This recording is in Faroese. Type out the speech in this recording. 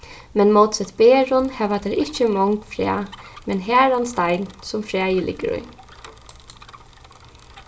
men mótsett berum hava tær ikki mong fræ men harðan stein sum fræið liggur í